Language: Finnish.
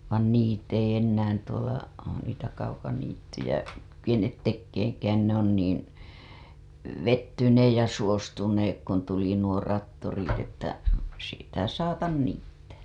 vaan niitä ei enää tuolla niitä kaukaniittyjä kykene tekemäänkään ne on niin vettyneet ja suostuneet kun tuli nuo traktorit että sitä saata niittää